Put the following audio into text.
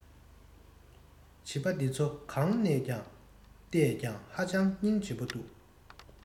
བྱིས པ འདི ཚོ གང ནས ལྟས ཀྱང ཧ ཅང རྙིང རྗེ པོ འདུག